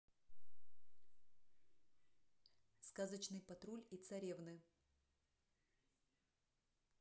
сказочный патруль и царевны